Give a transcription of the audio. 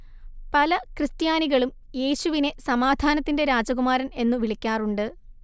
പല ക്രിസ്ത്യാനികളും യേശുവിനെ സമാധാനത്തിന്റെ രാജകുമാരൻ എന്നു വിളിക്കാറുണ്ട്